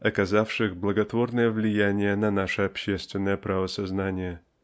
оказавших благотворное влияние на наше общественное правосознание